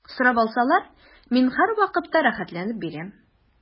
Сорап алсалар, мин һәрвакытта рәхәтләнеп бирәм.